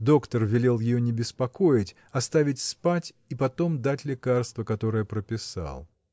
Доктор велел ее не беспокоить, оставить спать и потом дать лекарство, которое прописал.